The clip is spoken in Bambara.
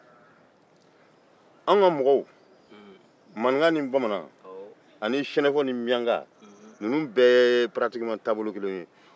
anw ka mɔgɔw maninka ni bamanan mianka ni sɛnɛfɔ ninnu bɛɛ ye taabolo kelen ye